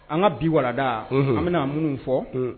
An ka bi warada an bɛna minnu fɔ